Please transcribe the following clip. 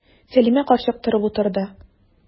Сәлимә карчык торып утырды.